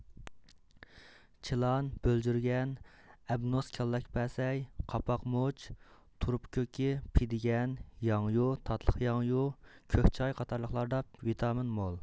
چىلان بۆلجۈرگەن ئەبنوس كاللەكبەسەي قاپاق مۇچ تۇرۇپ كۆكى پېدىگەن ياڭيۇ تاتلىقياڭيۇ كۆك چاي قاتارلىقلاردا ۋىتامىن مول